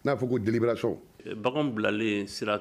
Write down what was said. N'a fɔ ko déliberation ɛ bagan bilalen sira